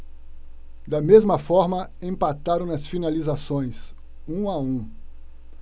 da mesma forma empataram nas finalizações um a um